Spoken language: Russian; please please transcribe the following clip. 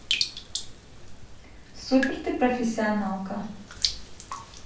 супер ты профессионалка